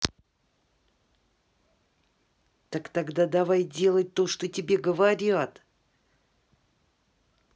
так тогда давай делать то что тебе говорят